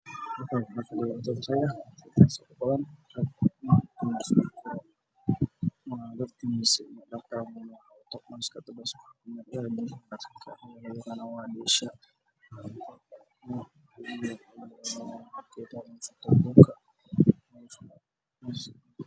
Waa dad hal meel wada fiirinayo